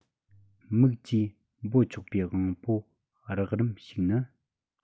མིག ཅེས འབོད ཆོག པའི དབང པོ རགས རིམ ཞིག ནི